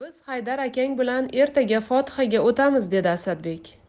biz haydar akang bilan ertaga fotihaga o'tamiz dedi asadbek